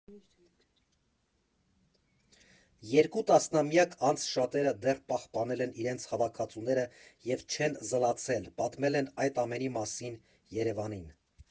Երկու տասնամյակ անց շատերը դեռ պահպանել են իրենց հավաքածուները և չեն զլացել՝ պատմել են այդ ամենի մասին ԵՐԵՎԱՆին։